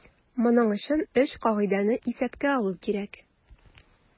Моның өчен өч кагыйдәне исәпкә алу кирәк.